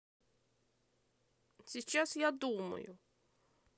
сейчас я думаю